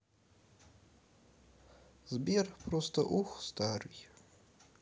сбер просто просто ух старый